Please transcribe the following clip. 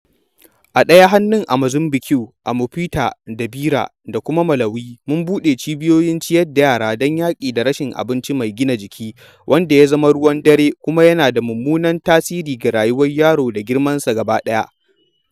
A ɗaya hannun, a Mozambique ( a Maputo da Beira) da kuma Malawi, mun buɗe cibiyoyin ciyar da yara don yaƙi da rashin abinci mai gina jiki, wanda ya zama ruwan dare kuma yana da mummunan tasiri ga rayuwar yaro da girmansa gaba ɗaya.